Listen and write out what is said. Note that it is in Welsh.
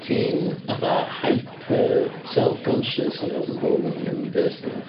ti'n fatha hyper self-conscious achos ma' pobol yn cymryd y piss arnoch chi.